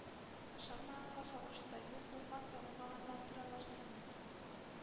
Ышанмаганга салышты. ”Юк, булмас, танымаганнардыр алар сине.